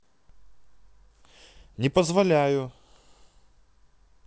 не позволяю